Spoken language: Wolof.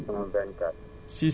77